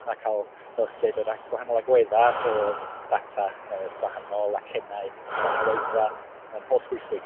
Mae cael fel oeddach chi'n deud yr a- gwahanol agweddau o'r data yr gwahanol acennau gwahanol oedran yn hollbwysig.